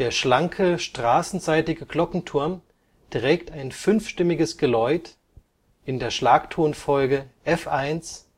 schlanke straßenseitige Glockenturm trägt ein fünfstimmiges Geläut in der Schlagtonfolge f1